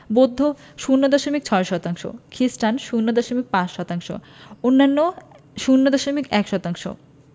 বৌদ্ধ ০ দশমিক ৬ শতাংশ খ্রিস্টান ০দশমিক ৫ শতাংশ অন্যান্য ০দশমিক ১ শতাংশ